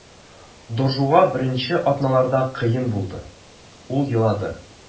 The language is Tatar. Доржуга беренче атналарда кыен булды, ул елады.